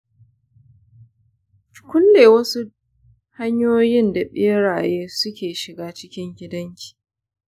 ki kulle duk wasu hanyoyin da beraye suke shiga cikin gidanki.